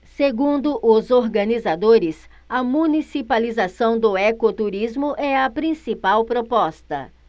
segundo os organizadores a municipalização do ecoturismo é a principal proposta